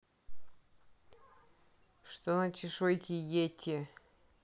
что на чешуйки йети